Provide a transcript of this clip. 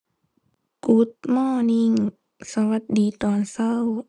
Good Morning สวัสดีตอนเช้า